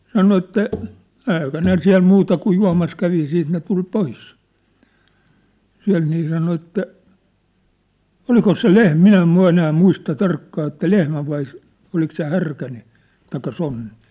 sanoi että eikä ne siellä muuta kuin juomassa kävi sitten ne tuli pois sieltä niin sanoi että onkos se - minä en enää muista tarkkaan että lehmä vai oliko se härkä niin tai sonni